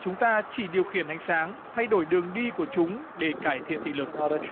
chúng ta chỉ điều khiển ánh sáng thay đổi đường đi của chúng để cải thiện thị lực